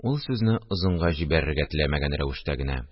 Ул, сүзне озынга җибәрергә теләмәгән рәвештә генә: